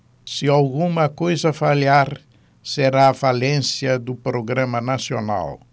se alguma coisa falhar será a falência do programa nacional